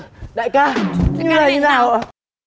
đại ca như này là như nào